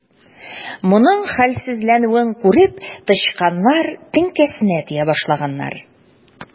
Моның хәлсезләнүен күреп, тычканнар теңкәсенә тия башлаганнар.